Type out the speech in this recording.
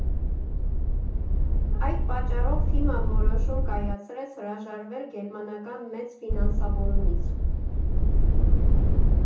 Այդ պատճառով թիմը որոշում կայացրեց հրաժարվել գերմանական մեծ ֆինանսավորումից.